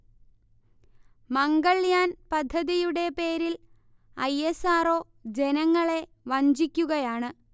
മംഗൾയാൻ പദ്ധതിയുടെ പേരിൽ I. S. R. O. ജനങ്ങളെ വഞ്ചിക്കുകയാണ്